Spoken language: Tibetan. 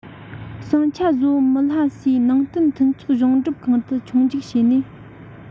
ཟིང ཆ བཟོ མི ལྷ སའི ནང བསྟན མཐུན ཚོགས གཞུང སྒྲུབ ཁང དུ མཆོང རྒྱུག བྱས ནས